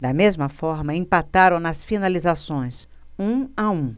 da mesma forma empataram nas finalizações um a um